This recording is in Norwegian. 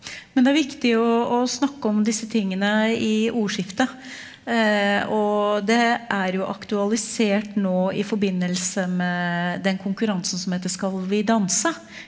men det er viktig å å snakke om disse tingene i ordskiftet og det er jo aktualisert nå i forbindelse med den konkurransen som heter Skal Vi Danse.